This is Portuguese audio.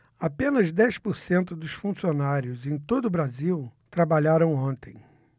apenas dez por cento dos funcionários em todo brasil trabalharam ontem